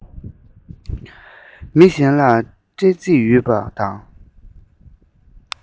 མི གཞན ལ སྤྲད རྩིས ཡོད པ དང